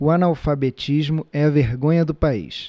o analfabetismo é a vergonha do país